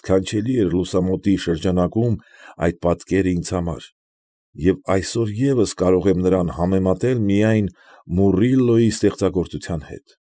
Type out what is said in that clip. Սքանչելի էր լուսամուտի շրջանակում այդ պատկերը ինձ համար, և այսօր ես կարող եմ նրան համեմատել միայն Մուռիլլոյի ստեղծագործության հետ։